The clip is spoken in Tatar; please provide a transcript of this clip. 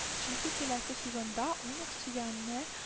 Чөнки киләсе сезонда “УНИКС” яне